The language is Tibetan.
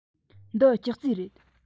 འདི ཅོག ཙེ རེད